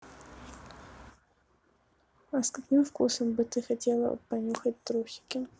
а с каким бы ты вкусом хотела понюхать трусики